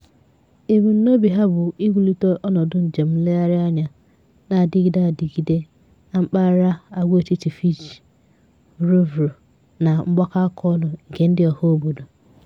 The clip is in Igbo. Ebumunobi ha bụ iwulite ọnọdụ njem nleghari anya na-adigide adigide na mpaghara agwaetiti Fiji, Vorovoro na mgbakọaka ọnụ nke ndị ọha obdodo,